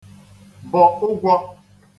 bọ̀ ụgwọ